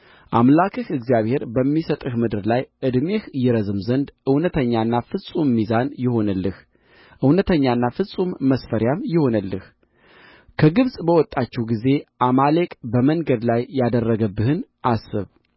አምላክህ እግዚአብሔር በሚሰጥህ ምድር ላይ ዕድሜህ ይረዝም ዘንድ እውነተኛና ፍጹም ሚዛን ይሁንልህ እውነተኛና ፍጹም መስፈሪያም ይሁንልህ ከግብፅ በወጣችሁ ጊዜ አማሌቅ በመንገድ ላይ ያደረገብህን አስብ